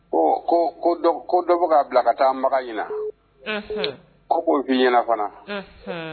Ko dɔ bi ka bila ka taa Magan ɲinan. Unhun ko, ko fi ɲɛna fana. Unhun